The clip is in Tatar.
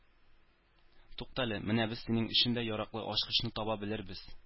Туктале, менә без синең өчен дә яраклы ачкычны таба белербез